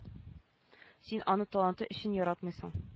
Син аны таланты өчен яратмыйсың